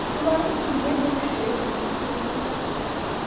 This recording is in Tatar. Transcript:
Шуларны килгән бер кешегә сүзсез генә таратып тора.